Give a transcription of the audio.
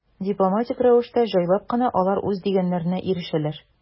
Дипломатик рәвештә, җайлап кына алар үз дигәннәренә ирешәләр.